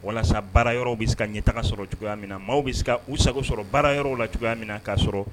Walasa baara yɔrɔ bɛ se ka ɲɛ tagaga sɔrɔ cogoya min maaw bɛ u sagogo sɔrɔ baara yɔrɔ la cogoya min na k kaa sɔrɔ